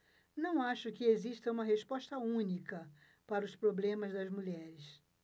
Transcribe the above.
não acho que exista uma resposta única para os problemas das mulheres